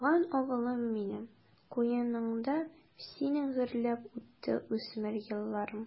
Туган авылым минем, куеныңда синең гөрләп үтте үсмер елларым.